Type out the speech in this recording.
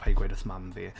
Paid gweud wrth mam fi.